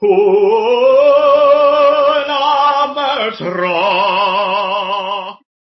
Hwyl am y tro!